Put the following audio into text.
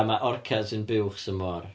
A mae orcas yn buwchs y môr.